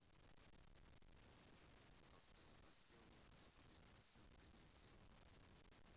то что я просил то что я просил ты не сделала